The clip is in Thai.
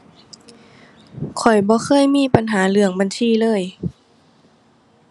ข้อยบ่เคยมีปัญหาเรื่องบัญชีเลย